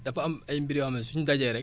dafa am ay mbir yoo xam ne suñ dajee rek